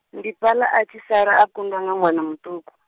ndi fhaḽa a tshi sala a kundwa nga ṅwana muṱuku.